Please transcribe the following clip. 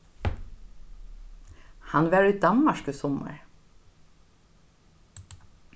hann var í danmark í summar